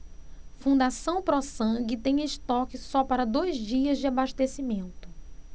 fundação pró sangue tem estoque só para dois dias de abastecimento